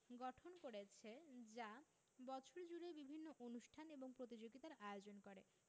গঠন করেছে যা বছর জুড়েই বিভিন্ন অনুষ্ঠান এবং প্রতিযোগিতার আয়োজন করে